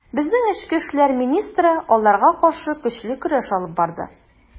Безнең эчке эшләр министры аларга каршы көчле көрәш алып барды.